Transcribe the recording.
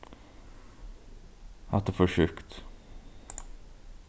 hatta er for sjúkt